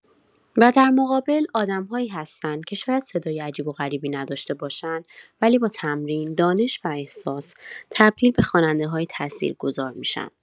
و در مقابل، آدم‌هایی هستن که شاید صدای عجیب‌وغریبی نداشته باشن، ولی با تمرین، دانش و احساس، تبدیل به خواننده‌های تاثیرگذار می‌شن.